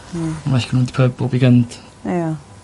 Hmm. Ma' well 'da n'w mynd i pub bob weekend. Ia.